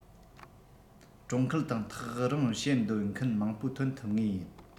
གྲོང ཁུལ དང ཐག རིང བྱེད འདོད མཁན མང པོ ཐོན ཐུབ ངེས ཡིན